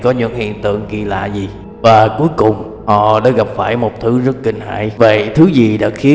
có những hiện tượng kỳ lạ gì và cuối cùng họ đã gặp phải một thứ rất kinh hãi vậy thứ gì đã khiến